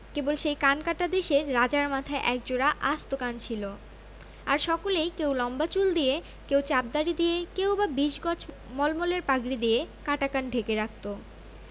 কেবল সেই কানকাটা দেশের রাজার মাথায় একজোড়া আস্ত কান ছিল আর সকলেই কেউ লম্বা চুল দিয়ে কেউ চাপ দাড়ি দিয়ে কেউ বা বিশ গজ মলমলের পাগড়ি দিয়ে কাটা কান ঢেকে রাখত